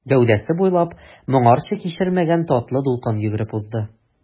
Гәүдәсе буйлап моңарчы кичермәгән татлы дулкын йөгереп узды.